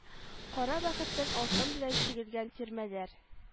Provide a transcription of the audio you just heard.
Кара бәрхеттән алтын белән чигелгән тирмәләр